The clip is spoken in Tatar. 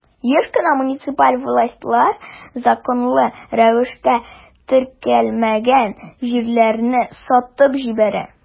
Еш кына муниципаль властьлар законлы рәвештә теркәлмәгән җирләрне сатып җибәрә.